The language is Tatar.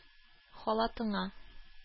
Халатыңа